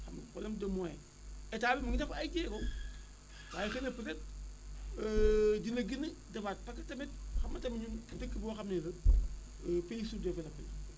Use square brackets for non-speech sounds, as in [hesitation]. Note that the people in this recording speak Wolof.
xam nga problème de moyen état bi mu ngi def ay jéego [noise] waaye xëy na peut être [hesitation] dina gën a defaat parce que tamit xam nga tamit ñun dëkk boo xam ne la [hesitation] pays sous développé